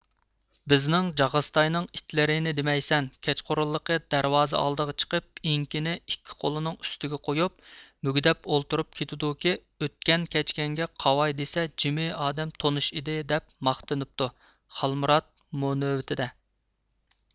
بىزنىڭ جاغىستاينىڭ ئىتىلىرنى دېمەيسەن كەچقۇرۇنلۇقى دەرۋازا ئالدىغا چىقىپ ئېڭىكىنى ئىككى قولنىڭ ئۈستىگە قويۇپ مۈگدەپ ئولتۇرۇپ كېتىدۇكى ئۆتكەن كەچكەنگە قاۋاي دىسە جىمى ئادەم تونۇش ئىدى دەپ ماختىنىپتۇ خالمىرات مۇ نۆۋىتىدە